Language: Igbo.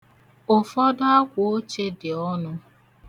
Ụfọdụ akwooche dị ọnụ.